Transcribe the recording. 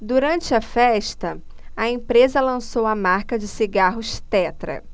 durante a festa a empresa lançou a marca de cigarros tetra